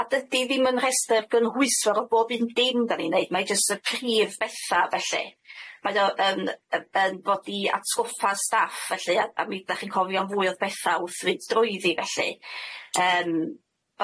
A dydi ddim yn rhestr gynhwysfawr o bob un dim dan ni'n neud mae jyst y prif betha felly, mae o yn yy yn bod i atgoffa staff felly a a mi dach chi'n cofio'n fwy o betha wrth fynd drwyddi felly yym,